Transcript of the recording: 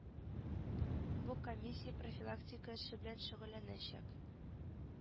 Бу комиссия профилактика эше белән шөгыльләнәчәк